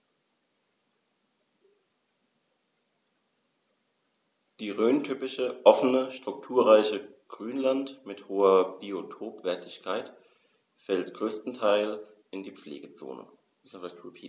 Das rhöntypische offene, strukturreiche Grünland mit hoher Biotopwertigkeit fällt größtenteils in die Pflegezone.